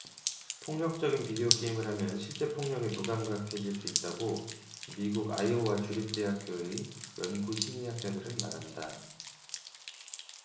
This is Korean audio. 폭력적인 비디오 게임을 하면 실제 폭력에 무감각해질 수 있다고 미국 아이오와 주립 대학교의 연구 심리학자들은 말한다